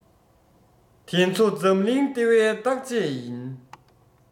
དེ ཚོ འཛམ གླིང ལྟེ བའི བརྟག དཔྱད ཡིན